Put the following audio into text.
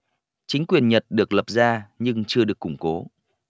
chính quyền nhật được lập ra nhưng chưa được củng cố